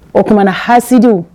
O tumaumana na hasidi